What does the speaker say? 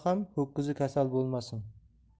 ham ho'kizi kasal bo'lmasin